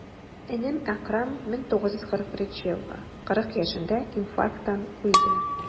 Энем Әкрам, 1941 елгы, 40 яшендә инфаркттан үлде.